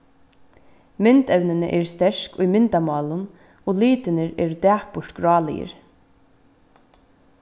myndevnini eru sterk í myndamálinum og litirnir eru dapurt gráligir